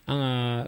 An ka